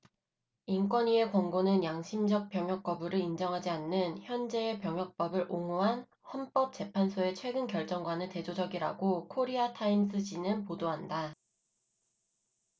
인권위의 권고는 양심적 병역 거부를 인정하지 않는 현재의 병역법을 옹호한 헌법 재판소의 최근 결정과는 대조적이라고 코리아 타임스 지는 보도한다